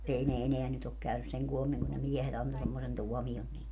ei ne enää nyt ole käynyt sen koommin kun ne miehet antoi semmoisen tuomion niille